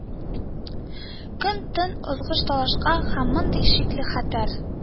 Көн-төн ызгыш-талашка һәм мондый шикле, хәтәр